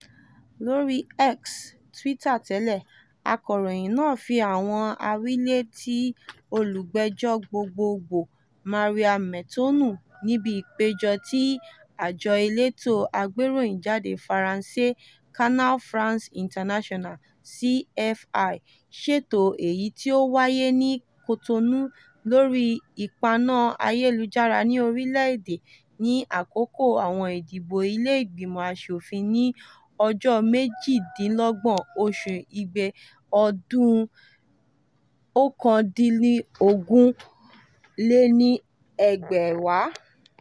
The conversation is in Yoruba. Lórí X (Twitter tẹ́lẹ̀), akọ̀ròyìn náà fi àwọn àwílé ti olúgbèjọ́ gbogboogbò, Mario Metonou, níbi ìpèjọ tí àjọ elétò agbéròyìnjáde Faransé, Canal France International (CFI) ṣètò èyí tí ó wáyé ní Cotonou, lórí ìpaná ayélujára ní orílè-èdè ní àkókò àwọn ìdìbò ilé ìgbìmọ̀ aṣofin ní ọjọ́ 28 oṣù Igbe, ọdún 2019.